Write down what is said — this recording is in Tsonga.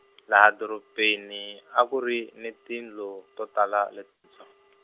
laha doropeni, a ku ri ni tindlu, to tala let- -tshwa.